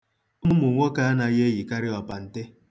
Ụmụ nwoke anaghị eyikarị ọpante.